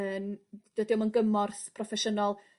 Yym dydi o'm yn gymorth proffesiynol.